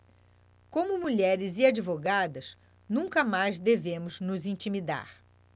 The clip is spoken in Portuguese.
como mulheres e advogadas nunca mais devemos nos intimidar